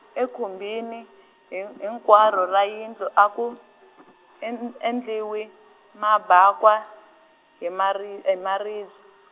ekhumbini hin- hinkwaro ra yindlu a ku, endl- endliwi , mabakwa, hi mari- hi mariby-.